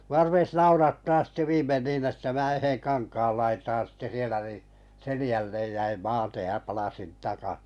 minua rupesi naurattamaan sitten viimein niin että minä yhden kankaan laitaan sitten siellä niin selälle jäin maate ja palasin -